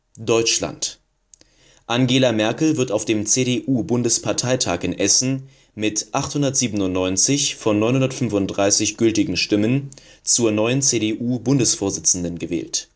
D: Angela Merkel wird auf dem CDU-Bundesparteitag in Essen (mit 897 von 935 gültigen Stimmen) zur neuen CDU-Bundesvorsitzenden gewählt